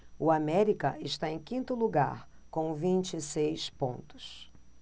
o américa está em quinto lugar com vinte e seis pontos